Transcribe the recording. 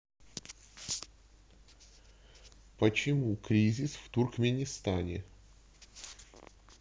почему кризис в туркменистане